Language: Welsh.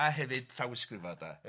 a hefyd llawysgrifa 'de. Ia.